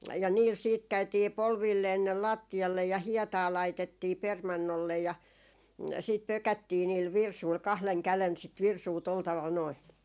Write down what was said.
ja niillä sitten käytiin polvilleen sinne lattialle ja hietaa laitettiin permannolle ja sitten pökättiin niillä virsuilla kahden käden sitä virsua tuolla tavalla noin